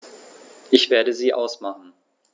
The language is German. Ich werde sie ausmachen.